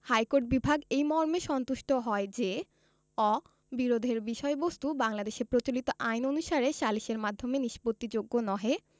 high court বিভাগ এই মর্মে সন্তুষ্ট হয় যে অ বিরোধের বিষয়বস্তু বাংলাদেশে প্রচলিত আইন অনুসারে সালিসের মাধ্যমে নিষ্পত্তিযোগ্য নহে